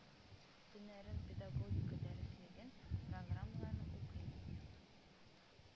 Төннәрен педагогика дәреслеген, программаларны укыйм